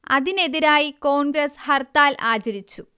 അതിനെതിരായി കോൺഗ്രസ് ഹർത്താൽ ആചരിച്ചു